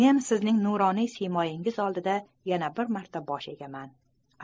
men sizning nuroniy siymongiz oldida yana bir marta bosh egaman